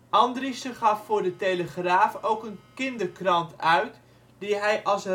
Andriessen gaf voor de Telegraaf ook een kinderkrant uit die hij als